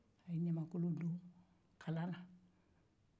a ye ɲamankolon don kalan na